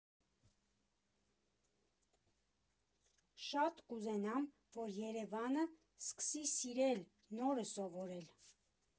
Շատ կուզենամ, որ Երևանը սկսի սիրել նորը սովորել։